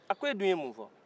a ko e dun ye mun fɔ